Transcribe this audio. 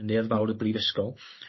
Neuadd fawr y brifysgol.